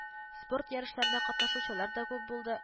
Спорт ярышларында катнашучылар да күп булды